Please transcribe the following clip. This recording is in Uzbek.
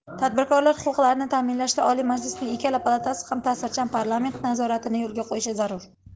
tadbirkorlar huquqlarini ta'minlashda oliy majlisning ikkala palatasi ham ta'sirchan parlament nazoratini yo'lga qo'yishi zarur